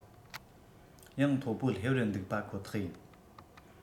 ཡང མཐོ པོ སླེབས རན འདུག པ ཁོ ཐག ཡིན